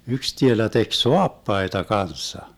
yksi tielä teki saappaita kanssa